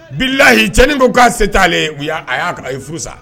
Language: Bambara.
Bilahi tiɲɛnin ko'a se t' y'a a y'a kan i furu san